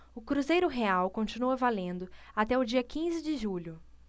o cruzeiro real continua valendo até o dia quinze de julho